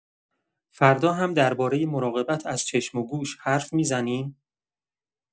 فردا هم درباره مراقبت از چشم و گوش حرف می‌زنیم؟